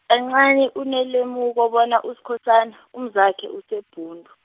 e kancani unelemuko bona Uskhosana, umzakhe useBhundu.